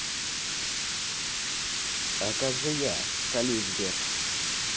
а как же я салют сбер